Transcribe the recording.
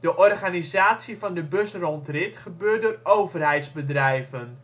De organisatie van de busrondrit gebeurt door overheidsbedrijven